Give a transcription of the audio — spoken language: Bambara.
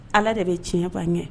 Ala de bɛ tiɲɛɲɛ gan kɛ